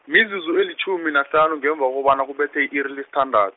mizuzu elitjhumi nahlanu ngemva kobana kubethe iri lesithanda-.